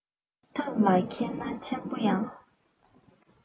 ཐབས ལ མཁས ན ཆེན པོ ཡང